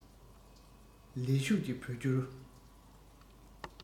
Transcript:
ལས ཞུགས ཀྱི བོད སྐྱོར